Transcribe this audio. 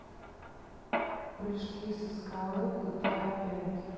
прыжки со скалы в гта пять